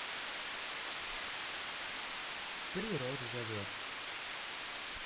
природа зовет